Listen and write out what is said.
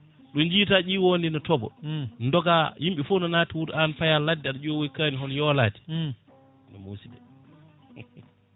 ɗo jiita ƴiwonde ne tooɓa dogua yimɓe foof na natti wuuri an paaya ladde aɗa ƴewoya kaani hoto yoolade ne muusi de